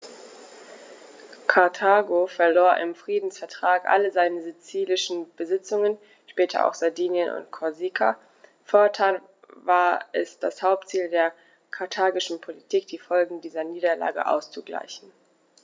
Karthago verlor im Friedensvertrag alle seine sizilischen Besitzungen (später auch Sardinien und Korsika); fortan war es das Hauptziel der karthagischen Politik, die Folgen dieser Niederlage auszugleichen.